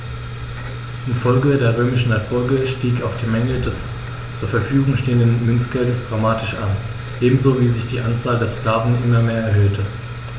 Infolge der römischen Erfolge stieg auch die Menge des zur Verfügung stehenden Münzgeldes dramatisch an, ebenso wie sich die Anzahl der Sklaven immer mehr erhöhte.